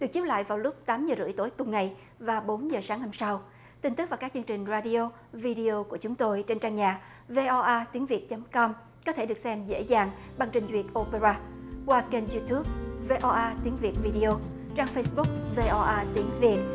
được chiếu lại vào lúc tám giờ rưỡi tối cùng ngày và bốn giờ sáng hôm sau tin tức và các chương trình ra đi ô vi đi ô của chúng tôi trên trang nhà vê o a tiếng việt chấm com có thể được xem dễ dàng bằng trình duyệt ô pê ra qua kênh diu túp vê o a tiếng việt vi đi ô trang phây búc vê o a tiếng việt